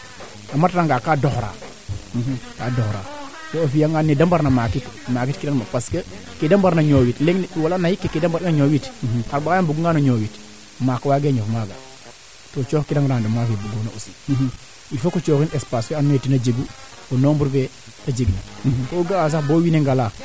kaa maada na qooqa la yaaga boo ndiik ndaa wo xayna ndeetlu waano no caate ke a qooqa la yaaga fo a qoqa le ndiiki wo fa xoxof dabort xan moƴ moƴo ñof moƴo barke wala boogen moƴo faax no coté maaga jega kaa dembona teen